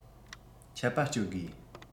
ཆད པ གཅོད དགོས